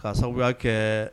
Ka sababuya kɛɛ